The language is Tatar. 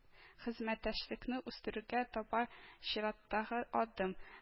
Хезмәттәшлекне үстерүгә таба чираттагы адым